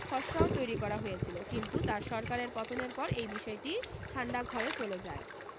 খসড়াও তৈরী করা হয়েছিলো কিন্তু তার সরকারের পতনের পর এই বিষয়টিই ঠান্ডা ঘরে চলে যায়